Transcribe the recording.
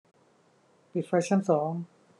ปิดไฟชั้นสอง